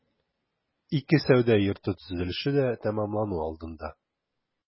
Ике сәүдә йорты төзелеше дә тәмамлану алдында.